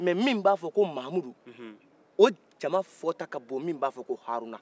mais min b'a fo ko mamudu o jama fota ka nin min b'a harouna